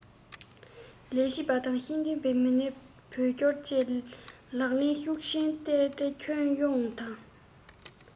ལས བྱེད པ དང ཤེས ལྡན མི སྣའི བོད སྐྱོར བཅས ལག ལེན ཤུགས ཆེན བསྟར ཏེ ཁྱོན ཡོངས དང